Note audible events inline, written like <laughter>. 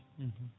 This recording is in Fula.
<hesitation> <hesitation>